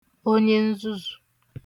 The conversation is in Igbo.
onye nzuzù